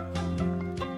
Sangɛningɛnin yo